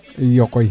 iyo koy